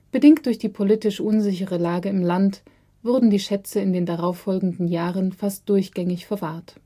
Bedingt durch die politisch unsichere Lage im Land wurden die Schätze in den darauffolgenden Jahren fast durchgängig verwahrt